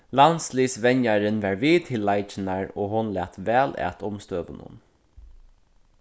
landsliðsvenjarin var við til leikirnar og hon læt væl at umstøðunum